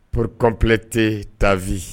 Pour completer ta vie